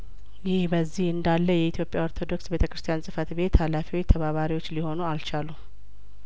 ይህ በዚህ እንዳለ የኢትዮጵያ ኦርቶዶክስ ቤተ ክርስቲያን ጽፈት ቤት ሀላፊዎች ተባባሪዎች ሊሆኑ አልቻሉም